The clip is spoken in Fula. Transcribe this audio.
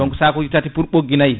donc sakuji tati pour ɓoggui nayyi